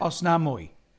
Os na mwy.